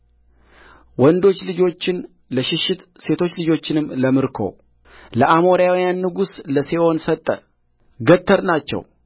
ወንዶች ልጆቹን ለሽሽት ሴቶች ልጆቹንም ለምርኮለአሞራውያን ንጉሥ ለሴዎን ሰጠገተርናቸው